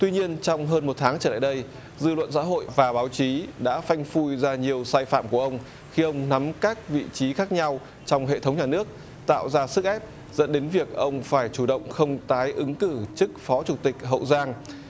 tuy nhiên trong hơn một tháng trở lại đây dư luận xã hội và báo chí đã phanh phui ra nhiều sai phạm của ông khi ông nắm các vị trí khác nhau trong hệ thống nhà nước tạo ra sức ép dẫn đến việc ông phải chủ động không tái ứng cử chức phó chủ tịch hậu giang